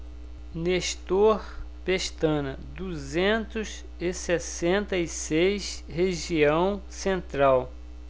nestor pestana duzentos e sessenta e seis região central